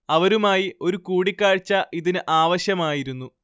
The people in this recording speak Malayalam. അവരുമായി ഒരു കൂടിക്കാഴ്ച ഇതിന് ആവശ്യമായിരുന്നു